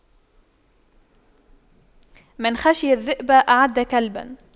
من خشى الذئب أعد كلبا